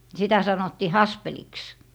sitä sanottiin haspeliksi